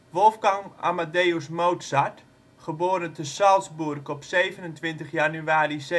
Wolfgang Amadeus Mozart (Salzburg, 27 januari 1756 –